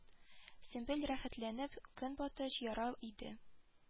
Сөмбел рәхәтләнеп көнбагыш яра иде